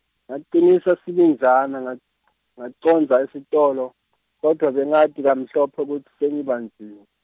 Ngacinisa sibinjana nga , ngacondza esitolo , kodvwa bengati kamhlophe kutsi sengibanjiwe.